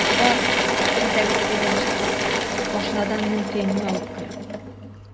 Бар, ишек төбендәге теге яньчек машинадан минем төенне алып кер!